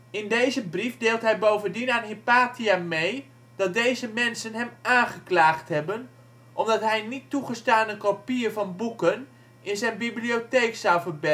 In deze brief deelt hij bovendien aan Hypatia mee, dat deze mensen hem aangeklaagd hebben, omdat hij niet toegestane kopieën van boeken in zijn bibliotheek zou verbergen